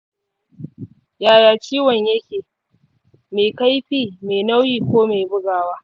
yaya ciwon yake: mai kaifi, mai nauyi, ko mai bugawa?